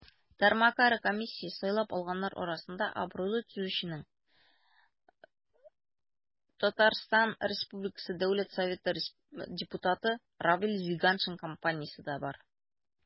Тармакара комиссия сайлап алганнар арасында абруйлы төзүченең, ТР Дәүләт Советы депутаты Равил Зиганшин компаниясе дә бар.